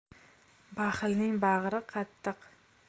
baxilning bag'ri qattiq